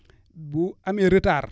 bu amee retard